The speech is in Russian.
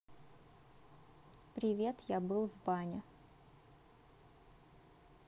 привет я был в бане